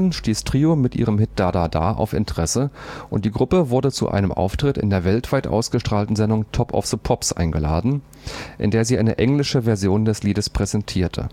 stieß Trio mit ihrem Hit „ Da da da “auf Interesse, und die Gruppe wurde zu einem Auftritt in der weltweit ausgestrahlten Sendung Top of the Pops eingeladen, in der sie eine englische Version des Liedes präsentierte